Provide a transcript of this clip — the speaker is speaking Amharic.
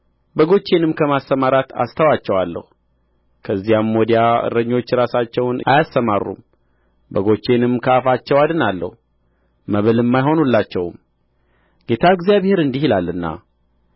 በጎቼንም ከማሰማራት አስተዋቸዋለሁ ከዚያም ወዲያ እረኞች ራሳቸውን አያሰማሩም በጎቼንም ከአፋቸው አድናለሁ መብልም አይሆኑላቸውም ጌታ እግዚአብሔር እንዲህ ይላልና